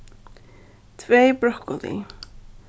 tvey brokkoli